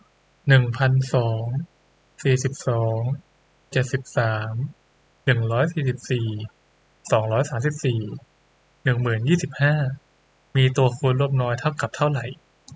หนึ่งพันสองสี่สิบสองเจ็ดสิบสามหนึ่งร้อยสี่สิบสี่สองร้อยสามสิบสี่หนึ่งหมื่นยี่สิบห้ามีตัวคูณร่วมน้อยเท่ากับเท่าไหร่